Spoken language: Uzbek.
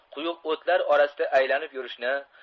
quyuq o'tlar orasida aylanib yurishni